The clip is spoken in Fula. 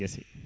guesse